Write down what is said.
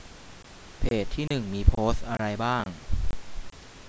เพจที่หนึ่งมีโพสต์อะไรบ้าง